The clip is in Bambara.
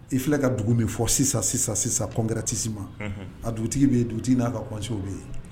I filɛ ka dugu min fɔ sisan- sisan kɔnɔndtisi ma a dugutigi bɛ dugutigi n'a ka kɔncw bɛ yen